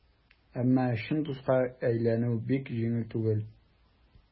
Әмма чын дуска әйләнү бик җиңел түгел.